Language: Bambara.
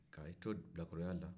ka i to bilakoroya la